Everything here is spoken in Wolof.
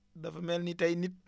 dafa mel ni tey nit